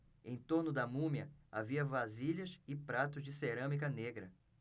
em torno da múmia havia vasilhas e pratos de cerâmica negra